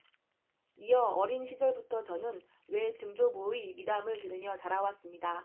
이어 어린 시절부터 저는 외증조부의 미담을 들으며 자라왔습니다